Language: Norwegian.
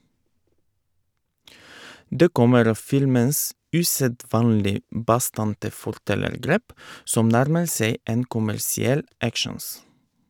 Det kommer av filmens usedvanlig bastante fortellergrep, som nærmer seg en kommersiell actions.